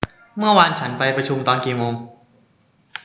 เมื่อวานฉันไปประชุมตอนกี่โมง